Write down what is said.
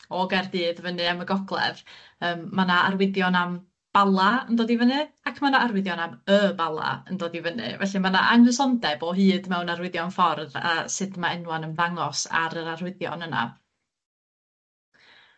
O Gaerdydd fyny am y gogledd yym ma' 'na arwyddion am Bala yn dod i fyny ac ma' 'na arwyddion am y Bala yn dod i fyny, felly ma' 'na anghysondeb o hyd mewn arwyddion ffordd a sut ma' enwa'n ymddangos ar yr arwyddion yna.